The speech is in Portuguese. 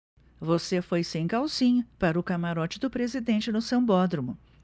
você foi sem calcinha para o camarote do presidente no sambódromo